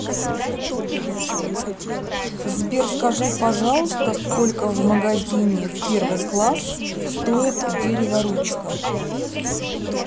сбер скажи пожалуйста сколько в магазине в первый класс стоит дерево ручка